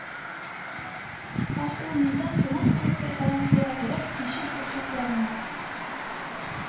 Һәм ул миндә кунак булып торганны күрә торып, ничек бу сүзләрне